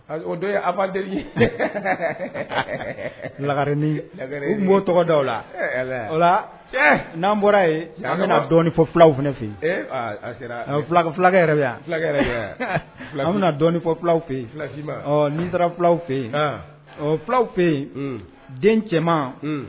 O don afad la n' tɔgɔda la n'an bɔra yen an bɛna dɔnifɔ fulaw fɛ yen fulakɛ yɛrɛ an bɛna dɔnifɔ fula fɛ yen ni sera fulaw fɛ yen ɔ fulaw fɛ yen den cɛman